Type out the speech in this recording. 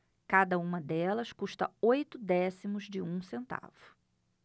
cada uma delas custa oito décimos de um centavo